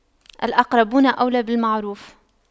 الأقربون أولى بالمعروف